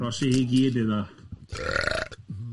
Ro's i hi gyd iddo fo.